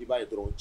I b'a ye dɔrɔn cɛ